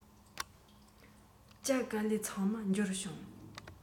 ཇ ག ལི ཚང མ འབྱོར བྱུང